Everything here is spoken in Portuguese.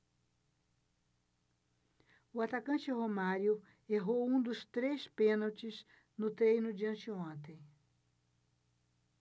o atacante romário errou um dos três pênaltis no treino de anteontem